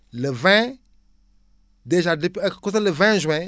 le 20 dèjà depuis ay côté le 20 juin